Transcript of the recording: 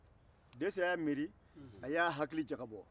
dɛsɛ y'a miiri a y'a hakili jagabɔ